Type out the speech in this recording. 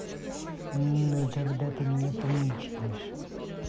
ну тогда ты меня помучать